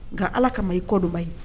Nka ala kama i kɔdɔnba ye